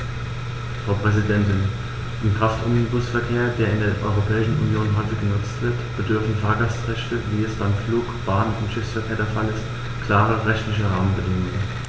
Frau Präsidentin, im Kraftomnibusverkehr, der in der Europäischen Union häufig genutzt wird, bedürfen Fahrgastrechte, wie es beim Flug-, Bahn- und Schiffsverkehr der Fall ist, klarer rechtlicher Rahmenbedingungen.